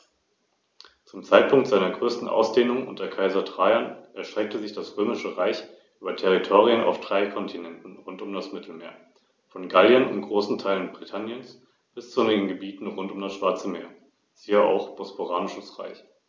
Die Beute greifen die Adler meist auf dem Boden oder im bodennahen Luftraum und töten sie mit den außerordentlich kräftigen Zehen und Krallen.